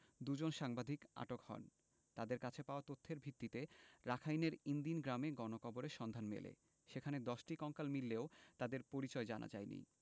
দুজন সাংবাদিক আটক হন তাঁদের কাছে পাওয়া তথ্যের ভিত্তিতে রাখাইনের ইন দিন গ্রামে গণকবরের সন্ধান মেলে সেখানে ১০টি কঙ্কাল মিললেও তাদের পরিচয় জানা যায়নি